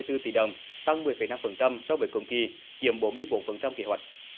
tư tỷ đồng tăng mười phẩy năm phần trăm so với cùng kỳ chiếm bốn mươi bốn phần trăm kế hoạch